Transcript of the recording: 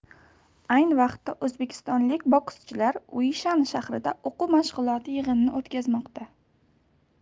ayni vaqtda o'zbekistonlik bokschilar uishan shahrida o'quv mashg'ulot yig'inini o'tkazmoqda